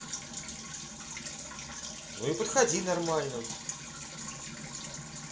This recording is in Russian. ну и подходи нормально